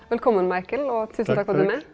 velkommen Michael og tusen takk for at du er med.